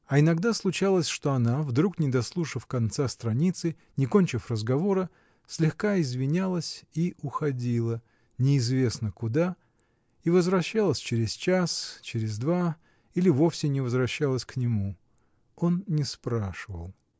А иногда случалось, что она, вдруг не дослушав конца страницы, не кончив разговора, слегка извинялась и уходила — неизвестно куда, и возвращалась через час, через два или вовсе не возвращалась к нему — он не спрашивал.